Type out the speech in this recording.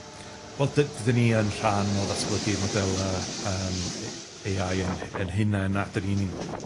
Wel, 'd- 'dan ni yn rhan o ddatblygu modela' yym e- Ay Eye 'yn hy- 'yn hunain, a 'dan ni'n 'u